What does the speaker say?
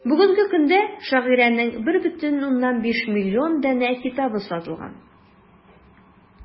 Бүгенге көндә шагыйрәнең 1,5 миллион данә китабы сатылган.